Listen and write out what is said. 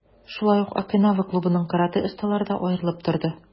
Шулай ук, "Окинава" клубының каратэ осталары да аерылып торды.